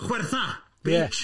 Chwertha, bitch!